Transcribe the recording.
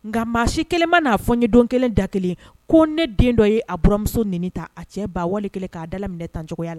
Nka maa si kelen ma n'a fɔ n ye don kelen da kelen ko ne den dɔ ye a buranmuso nei tan a cɛ ba wale kelen k'a dalaminɛ tan cogoya la